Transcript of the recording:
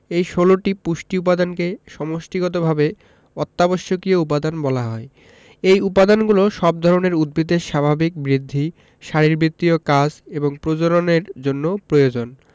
এ ১৬টি পুষ্টি উপাদানকে সমষ্টিগতভাবে অত্যাবশ্যকীয় উপাদান বলা হয় এই উপাদানগুলো সব ধরনের উদ্ভিদের স্বাভাবিক বৃদ্ধি শারীরবৃত্তীয় কাজ এবং প্রজননের জন্য প্রয়োজন